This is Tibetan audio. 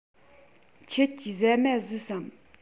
ཁྱེད ཀྱིས ཟ མ ཟོས སམ